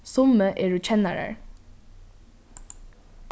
summi eru kennarar